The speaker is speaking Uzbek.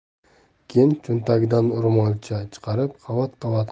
keyin cho'ntagidan ro'molcha chiqarib qavat qavat